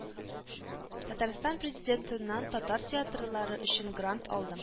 Татарстан президентыннан татар театрлары өчен грант алдым